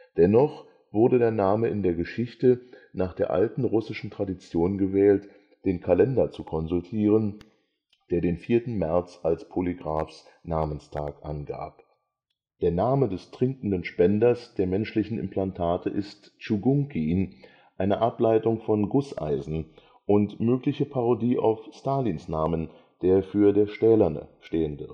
Dennoch wurde der Name in der Geschichte nach der alten russischen Tradition gewählt, den Kalender zu konsultieren, der den 4. März als Polygrafs Namenstag angab. Der Name des trinkenden Spenders der menschlichen Implantate ist Tschugunkin, eine Ableitung von Gusseisen und mögliche Parodie auf Stalins Namen, der für der Stählerne stehen